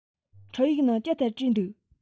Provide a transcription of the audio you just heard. འཕྲིན ཡིག ནང ཅི ལྟར བྲིས འདུག